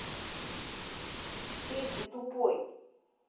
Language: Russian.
ты ты тупой